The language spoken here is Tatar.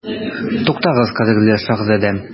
Туктагыз, кадерле шаһзадәм.